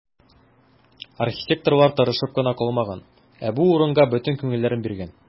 Архитекторлар тырышып кына калмаган, ә бу урынга бөтен күңелләрен биргән.